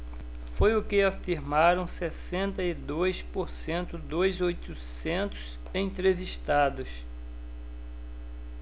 foi o que afirmaram sessenta e dois por cento dos oitocentos entrevistados